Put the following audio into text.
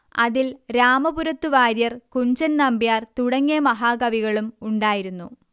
അതിൽ രാമപുരത്തു വാര്യർ കുഞ്ചൻ നമ്പ്യാർ തുടങ്ങിയ മഹാകവികളും ഉണ്ടായിരുന്നു